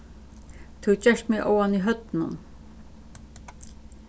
tú gert meg óðan í høvdinum